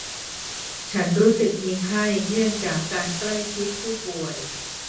ฉันรู้สึกมีไข้เนื่องจากการใกล้ชิดผู้ป่วย